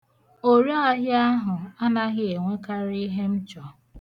Oraahịa ahụ anaghị enwekarị ihe m chọ.